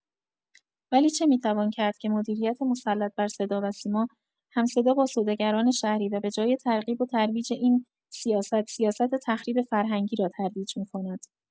ولی چه می‌توان کرد که مدیریت مسلط بر صداوسیما، هم‌صدا با سوداگران شهری و به‌جای ترغیب و ترویج این سیاست، سیاست تخریب فرهنگی را ترویج می‌کند.